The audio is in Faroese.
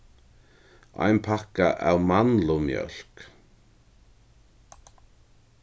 ein pakka av mandlumjólk